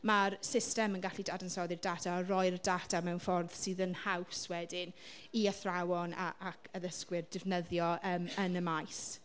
Ma'r system yn gallu dadansoddi'r data a roi'r data mewn ffordd sydd yn haws wedyn i athrawon a- ac addysgwyr defnyddio yym yn y maes.